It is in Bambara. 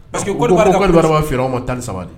Parce que b'a fɛ ma tan ni saba